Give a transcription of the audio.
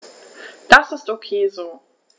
Das ist ok so.